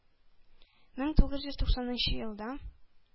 Мең тугыз йөз туксанынчы елда